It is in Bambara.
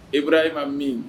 E bɔrara e ma min